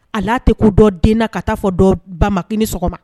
A'a tɛ ko dɔ den na ka t taaa fɔ dɔn bak ni sɔgɔma